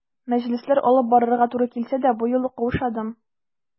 Мәҗлесләр алып барырга туры килсә дә, бу юлы каушадым.